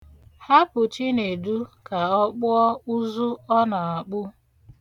Hapụ Chinedu ka ọ kpụọ ụzụ ọ na-akpụ.